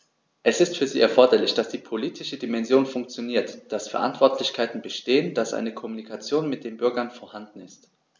Es ist für sie erforderlich, dass die politische Dimension funktioniert, dass Verantwortlichkeiten bestehen, dass eine Kommunikation mit den Bürgern vorhanden ist.